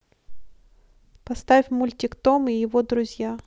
поставь мультик том и его друзья